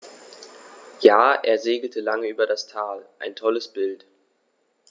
Ja, er segelte lange über das Tal. Ein tolles Bild!